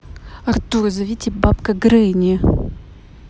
артур зовите бабка гренни